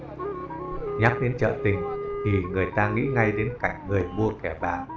nhắc đến chợ thì người ta sẽ nghĩ đến ngay cảnh người mua kẻ bán